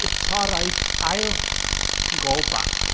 It's alright, I'll... go back.